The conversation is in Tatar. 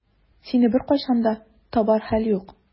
Сине беркайчан да табар хәл юк.